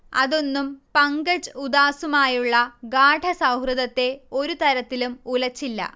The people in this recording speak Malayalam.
അതൊന്നും പങ്കജ് ഉദാസുമായുള്ള ഗാഢ സൗഹൃദത്തെ ഒരു തരത്തിലും ഉലച്ചില്ല